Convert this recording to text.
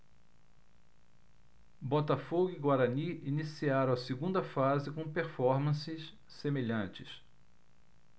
botafogo e guarani iniciaram a segunda fase com performances semelhantes